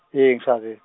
e ngishadile.